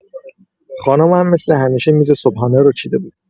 خانمم مثل همیشه میز صبحانه رو چیده بود.